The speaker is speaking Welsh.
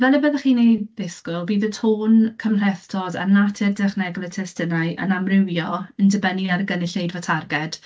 Fel y byddwch chi'n ei ddisgwyl, bydd y tôn cymhlethdod a'r natur dechnegol y testunau yn amrywio yn dibynnu ar y gynulleidfa targed.